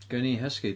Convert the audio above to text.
Gen i husky...